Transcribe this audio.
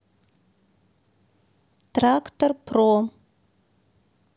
трактор про